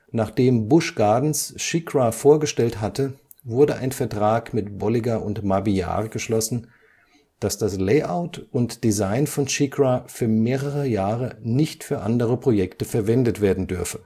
Nachdem Busch Gardens SheiKra vorgestellt hatte, wurde ein Vertrag mit Bolliger & Mabillard geschlossen, dass das Layout und Design von SheiKra für mehrere Jahre nicht für andere Projekte verwendet werden dürfe